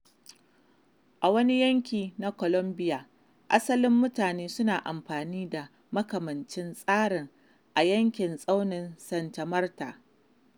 A wani yanki na Colombia, asalin mutanen suna amfana da makamancin tsarin a yankin tsaunin Santa Marta.